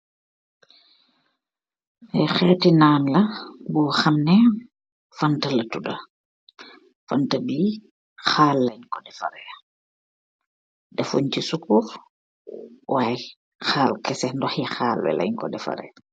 Lii kheeti nan la, bor hamneh fanta la tudu, fanta bii haaal lenkor defareh, defungh ci sukurr, y haaal keseh, ndokhi haaal lenkor defareh.